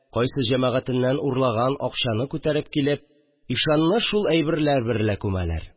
Кайсы җәмәгатеннән урлаган акчаны күтәреп килеп, ишанны шул әйберләр берлә күмәләр